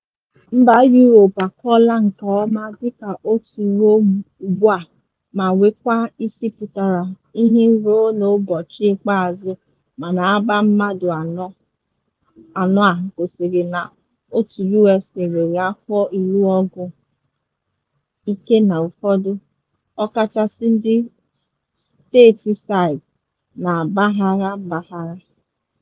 Mba Europe akụọla nke ọma dịka otu ruo ugbu a ma werekwa isi pụtara ihie ruo n’ụbọchị ikpeazụ mana agba mmadụ anọ a gosiri na otu USA nwere afọ ilụ ọgụ nke na ụfọdụ, ọ kachasị ndị Stateside na-agbagha mgbagha.